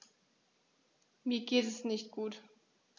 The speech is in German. Mir geht es nicht gut.